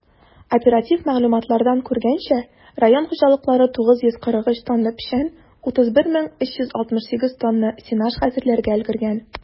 Оператив мәгълүматлардан күренгәнчә, район хуҗалыклары 943 тонна печән, 31368 тонна сенаж хәзерләргә өлгергән.